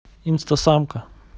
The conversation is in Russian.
instasamka